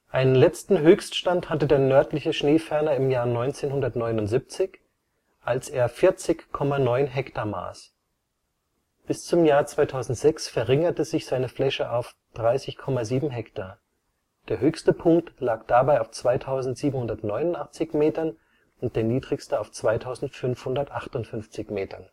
Einen letzten Hochstand hatte der Nördliche Schneeferner im Jahr 1979, als er 40,9 ha maß. Bis zum Jahr 2006 verringerte sich seine Fläche auf 30,7 ha. Der höchste Punkt lag dabei auf 2789 und der niedrigste auf 2558 m